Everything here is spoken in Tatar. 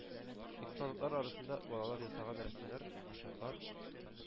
Экспонатлар арасында балалар ясаган рәсемнәр, курчаклар,